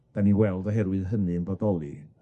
'dyn ni weld oherwydd hynny yn bodoli.